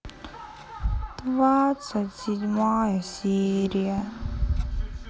двадцать седьмая серия